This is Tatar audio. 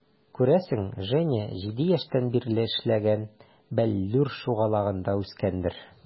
Күрәсең, Женя 7 яшьтән бирле эшләгән "Бәллүр" шугалагында үскәндер.